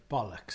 Bollocks.